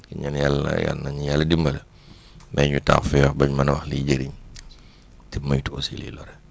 ñaan yàlla yal na ñu yàlla dimbale may ñu taw féex bañ mën a wax liy jëriñ e moytu aussi liy lore